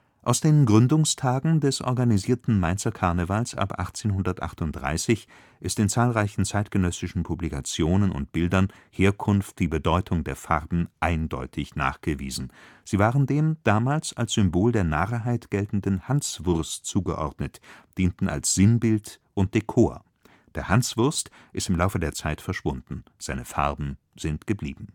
Aus den Gründungstagen des organisierten Mainzer Karnevals ab 1838 ist in zahlreichen zeitgenössischen Publikationen und Bildern Herkunft sowie Bedeutung der Farben eindeutig nachgewiesen: sie waren dem damals als Symbol der Narrheit geltenden " Hanswurst " zugeordnet, dienten als Sinnbild und Dekor. Der „ Hanswurst “ist im Laufe der Zeit verschwunden, seine Farben sind geblieben